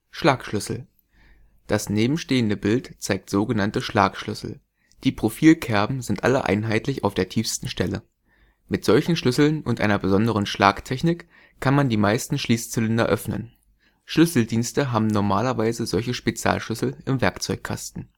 Schlagschlüssel Bohrmuldenschlüssel Das nebenstehende Bild zeigt sogenannte „ Schlagschlüssel “. Die Profilkerben sind alle einheitlich auf der tiefsten Stelle. Mit solchen Schlüsseln und einer besonderen Schlagtechnik kann man die meisten Schließzylinder öffnen. Schlüsseldienste haben normalerweise solche Spezialschlüssel im Werkzeugkasten